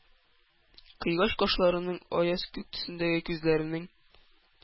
Кыйгач кашларының, аяз күк төсендәге күзләренең,